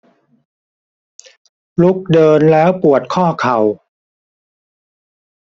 ลุกเดินแล้วปวดข้อเข่า